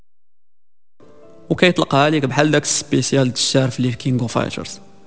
بكيت الغالي بحلقك سبيس لاند تشافي الكينج وفارس